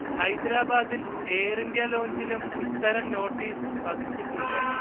ഹൈദരാബാദിൽ എയർഇന്ത്യ ലോഞ്ചിലും ഇത്തരം നോട്ടീസ് പതിച്ചിട്ടുണ്ട്